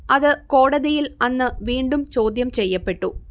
അത് കോടതിയിൽ അന്ന് വീണ്ടും ചോദ്യം ചെയ്യപ്പെട്ടു